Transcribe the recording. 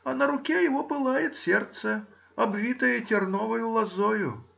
а на руке его пылает сердце, обвитое терновою лозою.